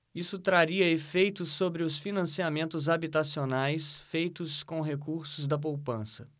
isso traria efeitos sobre os financiamentos habitacionais feitos com recursos da poupança